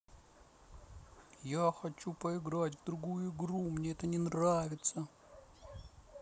я хочу поиграть в другую игру мне это не нравится